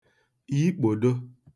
yikpòdo